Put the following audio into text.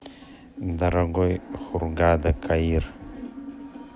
дорога хургада каир